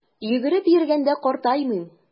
Йөгереп йөргәнгә картаймыйм!